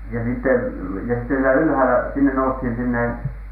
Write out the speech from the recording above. ja sitten ja sitten siellä ylhäällä sinne noustiin sinne